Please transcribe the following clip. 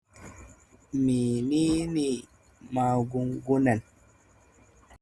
“Menene magungunan?